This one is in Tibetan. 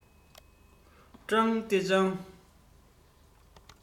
ཀྲང ཏེ ཅང